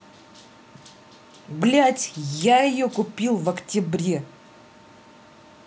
блять я ее купил в октябре